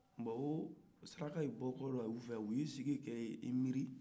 o sarakaw bɔlen kɔfɛ u fɛ u y'u sigi k'u miiri